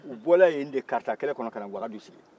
u bɔra yen de kaarita kɛlɛ kɔnɔ ka na wagadu sigi